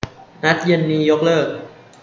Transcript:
นัดเย็นนี้ยกเลิก